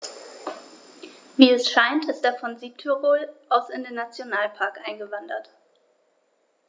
Wie es scheint, ist er von Südtirol aus in den Nationalpark eingewandert.